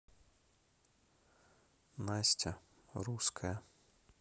настя русская